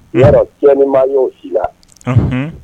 N' tiinmay si la